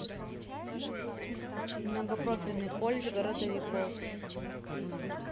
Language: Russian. многопрофильный колледж городовиковск